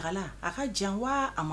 A ka jan wa a ma